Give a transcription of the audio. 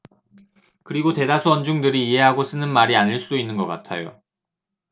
그리고 대다수 언중들이 이해하고 쓰는 말이 아닐 수도 있는 것 같아요